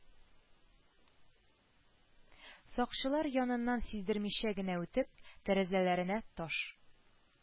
Сакчылар яныннан сиздермичә генә үтеп, тәрәзәләренә таш